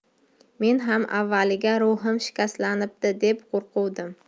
men ham avvaliga ruhim shikastlanibdi deb qo'rquvdim